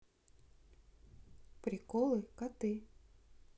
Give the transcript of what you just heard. приколы коты